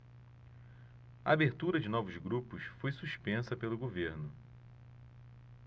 a abertura de novos grupos foi suspensa pelo governo